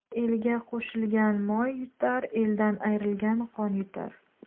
elga qo'shilgan moy yutar eldan ayrilgan qon yutar